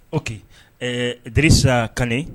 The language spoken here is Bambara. O que ɛɛ d siran kan